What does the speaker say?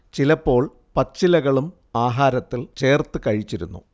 ചിലപ്പോൾ പച്ചയിലകളും ആഹാരത്തിൽ ചേർത്തു കഴിച്ചിരുന്നു